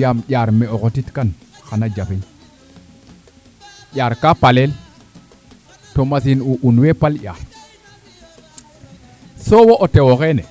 yaam ƴaar mae xotin kan xana jafeñ ƴaar ka palel to machine u un wee pal ƴaar soo wo o tewo xeene